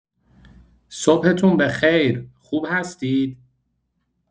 صبحتون به خیر، خوب هستید؟